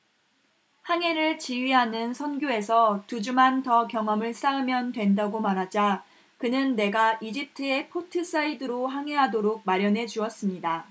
항해를 지휘하는 선교에서 두 주만 더 경험을 쌓으면 된다고 말하자 그는 내가 이집트의 포트사이드로 항해하도록 마련해 주었습니다